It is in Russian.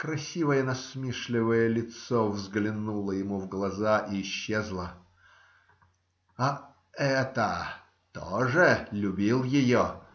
Красивое насмешливое лицо взглянуло ему в глаза и исчезло. - А эта? Тоже любил ее?